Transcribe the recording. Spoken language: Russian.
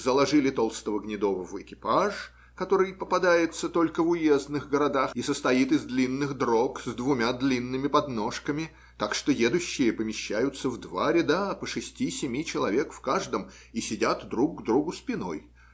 Заложили толстого гнедого в экипаж, который попадается только в уездных городах и состоит из длинных дрог с двумя длинными подножками, так что едущие помещаются в два ряда, по шести-семи человек в каждом, и сидят друг к другу спиной